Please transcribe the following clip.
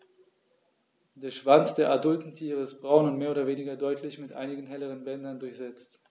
Der Schwanz der adulten Tiere ist braun und mehr oder weniger deutlich mit einigen helleren Bändern durchsetzt.